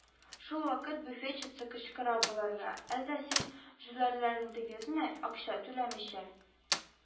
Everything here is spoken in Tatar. Шул вакыт буфетчица кычкыра боларга: «Әллә сез җүләрләндегезме, акча түләмичә